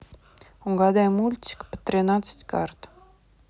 угадай мультик по тринадцать карт